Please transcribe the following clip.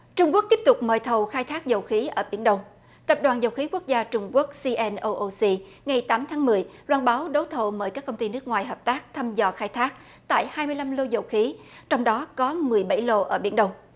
trung quốc tiếp tục mời thầu khai thác dầu khí ở biển đông tập đoàn dầu khí quốc gia trung quốc xi en âu âu xi ngày tám tháng mười loan báo đấu thầu mời các công ty nước ngoài hợp tác thăm dò khai thác tại hai mươi lăm lô dầu khí trong đó có mười bảy lô ở biển đông